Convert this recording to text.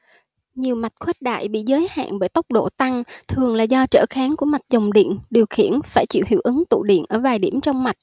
nhiều mạch khuếch đại bị giới hạn bởi tốc độ tăng thường là do trở kháng của mạch dòng điện điều khiển phải chịu hiệu ứng tụ điện ở vài điểm trong mạch